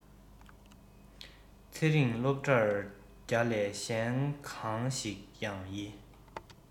ཚེ རིང སློབ གྲྭར འབ བརྒྱ ལས གཞན གང ཞིག ཡང ཡི